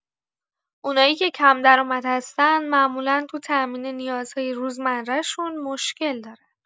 اونایی که کم‌درآمد هستن معمولا تو تأمین نیازهای روزمره‌شون مشکل دارن.